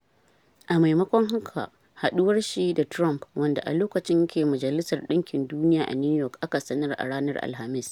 A maimakon haka, haduwar shi da Trump, wanda a lokacin yake Majalisar Dinkin Duniya a New York, aka sanar a ranar Alhamis.